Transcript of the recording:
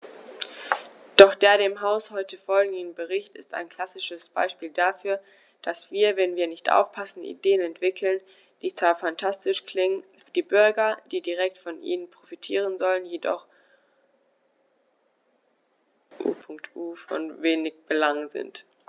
Doch der dem Haus heute vorliegende Bericht ist ein klassisches Beispiel dafür, dass wir, wenn wir nicht aufpassen, Ideen entwickeln, die zwar phantastisch klingen, für die Bürger, die direkt von ihnen profitieren sollen, jedoch u. U. von wenig Belang sind.